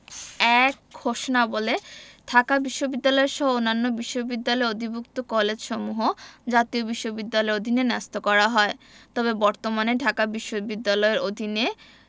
এক ঘোষণাবলে ঢাকা বিশ্ববিদ্যালয়সহ অন্যান্য বিশ্ববিদ্যালয়ে অধিভুক্ত কলেজসমূহ জাতীয় বিশ্ববিদ্যালয়ের অধীনে ন্যস্ত করা হয় তবে বর্তমানে ঢাকা বিশ্ববিদ্যালয়ের অধীনে